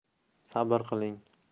sabr qiling